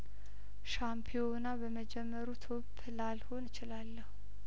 ሻምፒዮናው በመጀመሩ ቶፕላል ሆን እችላለሁ